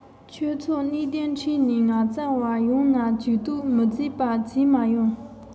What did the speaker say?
འོན ཀྱང སྔོན མ ནང བཞིན བྱས ན འགྲིག གི མ རེད